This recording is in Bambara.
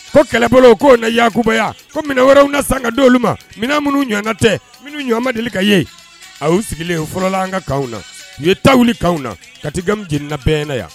Ko kɛlɛbolo k'o na yaakubaya ko minɛn wɛrɛw na san ka di olu ma minan minnuw ɲɔɔana tɛ minnu ɲɔɔan ma deli ka ye a u sigilen u fɔlɔla an ka kanw na Kati game jenina an bɛɛ ɲana yan